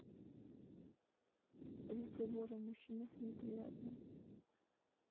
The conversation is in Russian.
разговор о мужчинах неприятно